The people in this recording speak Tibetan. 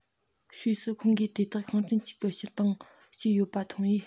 ཕྱིས སུ ཁོང གིས དེ དག ཤིང ཕྲན གཅིག གི སྟེང སྐྱེས ཡོད པ མཐོང བས